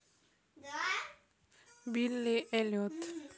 билли эллиот